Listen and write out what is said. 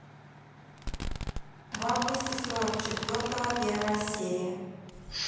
в августе сорок четвертого первая серия